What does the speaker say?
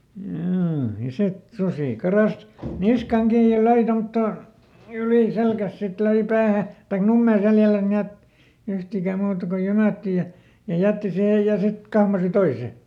juu ja sitten susi karkasi niskaan kiinni ja löi tuommottoon yli selän sitten löi päähän tai nummeen selällensä niin että yhtikään muuta kuin jymähtää ja ja jätti siihen ja sitten kahmaisi toisen